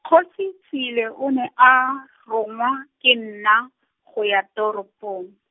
Kgosietsile o ne a, rongwa, ke nna, go ya teropong.